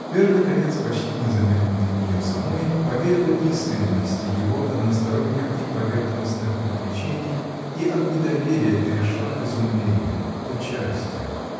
Вера наконец, почти незаметно для нее самой, поверила искренности его односторонних и поверхностных увлечений и от недоверия перешла к изумлению, участию.